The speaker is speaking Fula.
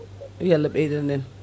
yo Allah ɓeydan en